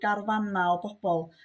garfanna' o bobol